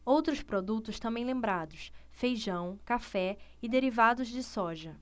outros produtos também lembrados feijão café e derivados de soja